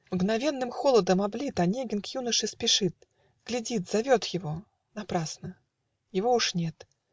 Мгновенным холодом облит, Онегин к юноше спешит, Глядит, зовет его . напрасно: Его уж нет.